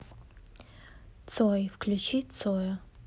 цой включи цоя